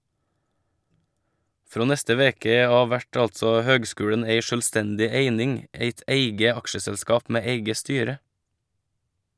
Frå neste veke av vert altså høgskulen ei sjølvstendig eining, eit eige aksjeselskap med eige styre.